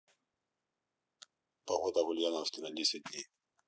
погода в ульяновске на десять дней